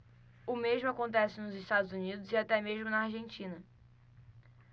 o mesmo acontece nos estados unidos e até mesmo na argentina